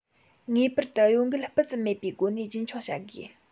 ངེས པར དུ གཡོ འགུལ སྤུ ཙམ མེད པའི སྒོ ནས རྒྱུན འཁྱོངས བྱ དགོས